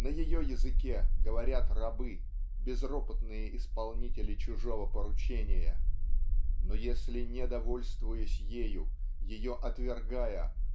на ее языке говорят рабы, безропотные исполнители чужого поручения. Но если не довольствуясь ею ее отвергая